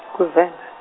Kuvenḓa.